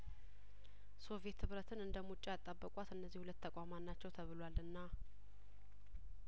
ሶቪየት ህብረትን እንደሙጫ ያጣበቋት እነዚህ ሁለት ተቋማት ናቸው ተብሏልና